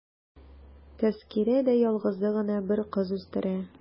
Тәзкирә дә ялгызы гына бер кыз үстерә.